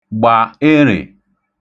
gbà erè